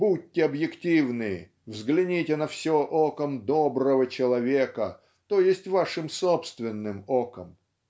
Будьте объективны, взгляните на все оком доброго человека, т. е. Вашим собственным оком".